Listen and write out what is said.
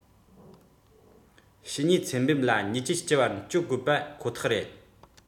བྱེད སྲིད ཀྱི རིན གོང ཚད བརྗེ རུ ཡོང བ ཡིན པ ཁོ ཐག རེད